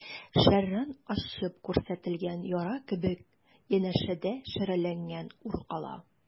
Шәрран ачып күрсәтелгән яра кебек, янәшәдә шәрәләнгән ур кала.